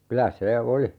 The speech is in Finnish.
kyllä se oli